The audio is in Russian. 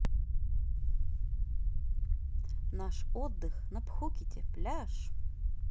наш отдых на пхукете пляж